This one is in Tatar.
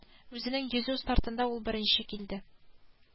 Үзенең йөзү стартында ул беренче килде